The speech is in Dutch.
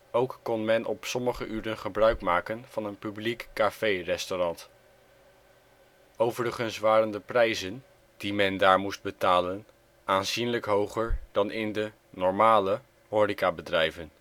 Ook kon men op sommige uren gebruikmaken van een publiek café-restaurant. Overigens waren de prijzen, die men daar voor verteringen moest betalen, aanzienlijk hoger dan in de ' normale ' horecabedrijven